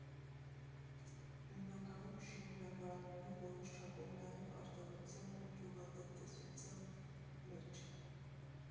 Հիմնականում՝ շինհրապարակներում, որոշ չափով նաև՝ արտադրության ու գյուղատնտեսության մեջ։